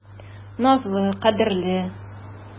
Назлы, кадерле.